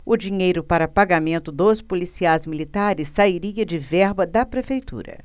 o dinheiro para pagamento dos policiais militares sairia de verba da prefeitura